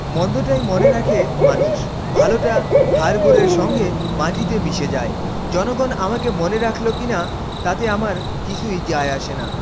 মন্দ টাই মনে রাখে মানুষ ভালোটা হাড়গোড়ের সঙ্গে মাটিতে মিশে যায় জনগণ আমাকে মনে রাখলো কিনা তাতে আমার কিছুই যায় আসে না